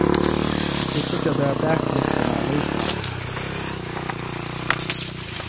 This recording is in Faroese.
vilt tú tryggja tær at baklyktirnar lýsa